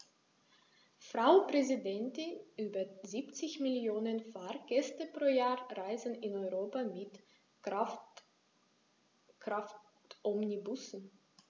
Frau Präsidentin, über 70 Millionen Fahrgäste pro Jahr reisen in Europa mit Kraftomnibussen.